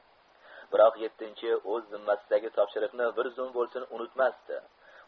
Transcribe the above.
biroq yettinchi o'z zimmasidagi topshiriqni bir zum bo'lsin unutmasdi